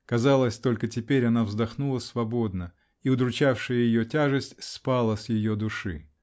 Казалось, только теперь она вздохнула свободно -- и удручавшая ее тяжесть опала с ее души.